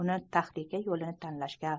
uni tahlika yo'lini tanlashga